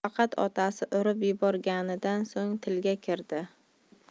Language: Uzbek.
faqat otasi urib yuborganidan so'ng tilga kirdi